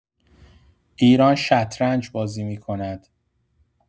ایران شطرنج‌بازی می‌کند.